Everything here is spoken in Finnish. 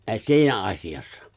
siinä asiassa